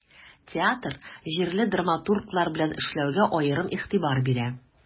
Театр җирле драматурглар белән эшләүгә аерым игътибар бирә.